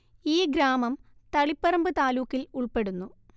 ഈ ഗ്രാമം തളിപ്പറമ്പ് താലൂക്കിൽ ഉൾപ്പെടുന്നു